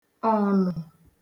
ọ̀nụ̀